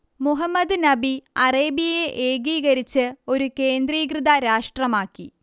മുഹമ്മദ് നബി അറേബ്യയെ ഏകീകരിച്ച് ഒരു കേന്ദ്രീകൃത രാഷ്ട്രമാക്കി